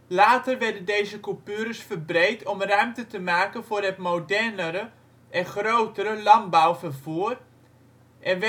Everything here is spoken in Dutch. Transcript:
Later werden deze coupures verbreed om ruimte te maken voor het modernere en grotere landbouwvervoer en